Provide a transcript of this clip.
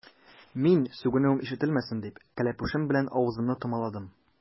Мин, сүгенүем ишетелмәсен дип, кәләпүшем белән авызымны томаладым.